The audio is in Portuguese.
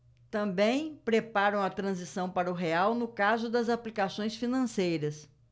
também preparam a transição para o real no caso das aplicações financeiras